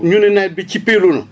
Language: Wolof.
ñu ne nawet bi cëppéeru na